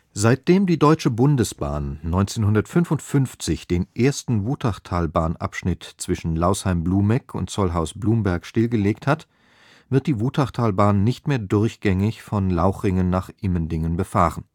Seitdem die Deutsche Bundesbahn 1955 den ersten Wutachtalbahn-Abschnitt zwischen Lausheim-Blumegg und Zollhaus-Blumberg stillgelegt hat, wird die Wutachtalbahn nicht mehr durchgängig von Lauchringen nach Immendingen befahren